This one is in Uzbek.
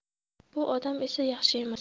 bu odam esa yaxshi emas